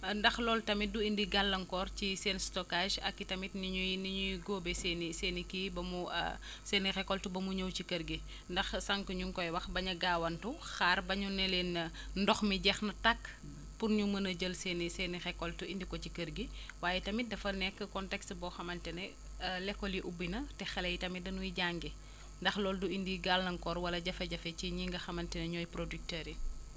ndax loolu tamit du indi gàllankoor ci seen stockage ak i tamit ni ñuy ni ñuy góobee seen i seen i kii ba mu seen i récoltes ba mu ñëw ci kër gi ndax sànq ñu ngi koy wax bañ a gaawantu xaar ba ñu ne leen ndox mi jeex na takk pour ñu mën a jël seen i seen i récoltes indi ko ci kër gi waaye tamit dafa nekk contexte boo xamante ne l' école yi ubbi na te xale yi tamit dañuy jàngi ndax loolu du indi gàllankloor wala jafe-jafe ci ñi nga xamante ni ñooy producteurs yi